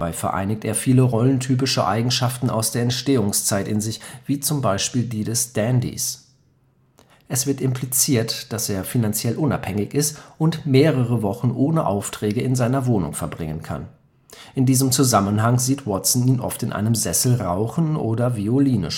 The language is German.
vereinigt er viele rollentypische Eigenschaften aus der Entstehungszeit in sich, wie zum Beispiel die des Dandys. Sherlock Holmes (rechts) und Watson in London, Illustration von Sidney Paget (1901) Es wird impliziert, dass er finanziell unabhängig ist und mehrere Wochen ohne Aufträge in seiner Wohnung verbringen kann. In diesem Zusammenhang sieht Watson ihn oft in einem Sessel rauchen oder Violine